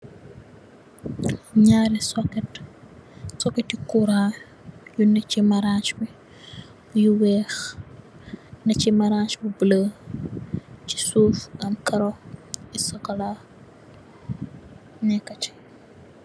Ñaari sokket, sokket I kuran, ci maraaj bi, ñu weex, ne ci maraaj bi bulo, ci suuf, am karro, bu sokolaa.